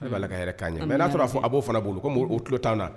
A'a' mɛ n y'a sɔrɔ' fɔ a b'o fana b bolo ko o tulo tan na